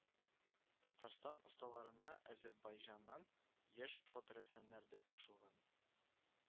Татарстан осталарына Әзербәйҗаннан яшь фоторәссамнар да кушылган